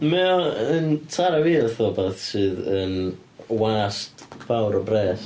Mae o yn taro fi fatha rywbeth sydd yn wast fawr o bres.